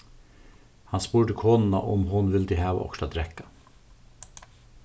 hann spurdi konuna um hon vildi hava okkurt at drekka